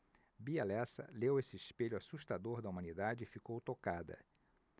bia lessa leu esse espelho assustador da humanidade e ficou tocada